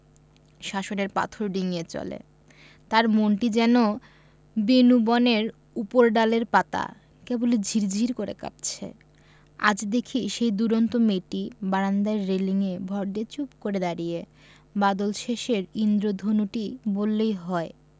শাসনের পাথর ডিঙ্গিয়ে চলে তার মনটি যেন বেনূবনের উপরডালের পাতা কেবলি ঝির ঝির করে কাঁপছে আজ দেখি সেই দূরন্ত মেয়েটি বারান্দায় রেলিঙে ভর দিয়ে চুপ করে দাঁড়িয়ে বাদলশেষের ঈন্দ্রধনুটি বললেই হয়